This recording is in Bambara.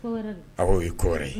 Aw ye kɔrɔ ye